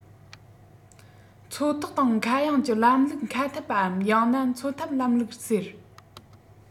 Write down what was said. མཚོ ཐོག དང མཁའ དབྱིངས ཀྱི ལམ ལུགས མཁའ འཐབ པའམ ཡང ན མཚོ འཐབ ལམ ལུགས ཟེར